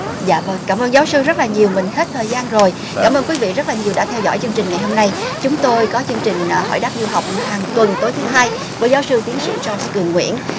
dạ vâng cảm ơn giáo sư rất là nhiều mình hết thời gian rồi cám ơn quý vị rất là nhiều đã theo dõi chương trình ngày hôm nay chúng tôi có chương trình hỏi đáp du học hằng tuần tối thứ hai với giáo sư tiến sĩ choi cường nguyễn